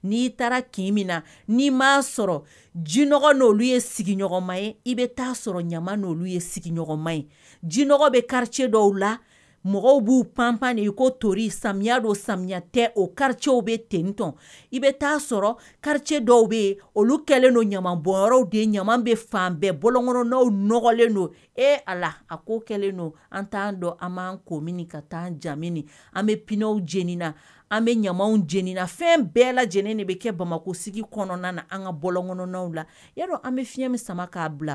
N'i taara kin min na n'i ma sɔrɔ ji ye sigiɲɔgɔnma ye i bɛ'a sɔrɔ ɲama ye sigima ye jin bɛ karicɛ dɔw la mɔgɔw b'u panp de i ko tori samiya don samiya tɛ o karicɛw bɛ t nitɔn i bɛ taaa sɔrɔ karicɛ dɔw bɛ yen olu kɛlen don ɲama bɔw de ɲama bɛ fan bɛɛ bɔ' nɔgɔlen don e a la a ko kɛlen don an t'an dɔn an ko min ka taaan ja an bɛ pinaw j na an bɛ ɲamaw jeniina fɛn bɛɛ lajɛlen de bɛ kɛ bamakɔ sigi kɔnɔn na an ka bɔ kɔnɔnw la e dɔn an bɛ fiɲɛyɛn min sama k'a bila